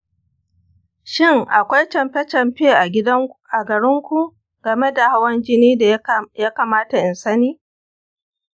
shin akwai canfe-canfe a danginku game da hawan-jini da ya kamata in sani?